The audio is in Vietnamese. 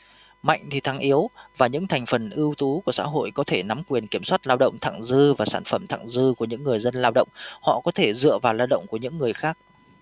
mạnh thì thắng yếu và những thành phần ưu tú của xã hội có thể nắm quyền kiểm soát lao động thặng dư và sản phẩm thặng dư của những người dân lao động họ có thể dựa vào lao động của những người khác